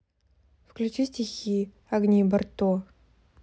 включи стихи агнии барто